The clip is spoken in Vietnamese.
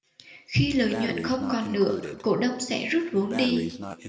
khi lợi nhuận không còn nữa cổ đông sẽ rút vốn đi